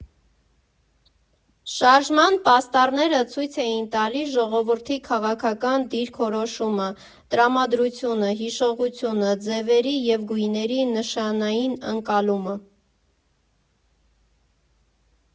Շարժման պաստառները ցույց էին տալիս ժողովրդի քաղաքական դիրքորոշումը, տրամադրությունը, հիշողությունը, ձևերի ու գույների նշանային ընկալումը։